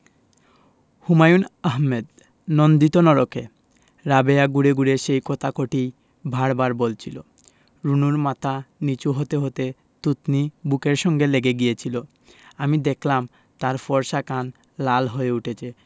হুমায়ুন আহমেদ নন্দিত নরকে রাবেয়া ঘুরে ঘুরে সেই কথা কটিই বার বার বলছিলো রুনুর মাথা নীচু হতে হতে থুতনি বুকের সঙ্গে লেগে গিয়েছিলো আমি দেখলাম তার ফর্সা কান লাল হয়ে উঠছে